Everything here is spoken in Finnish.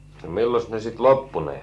milloinkas ne sitten loppui ne